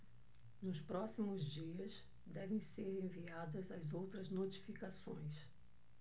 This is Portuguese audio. nos próximos dias devem ser enviadas as outras notificações